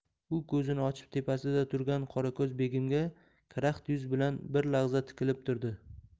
u ko'zini ochib tepasida turgan qorako'z begimga karaxt yuz bilan bir lahza tikilib turdi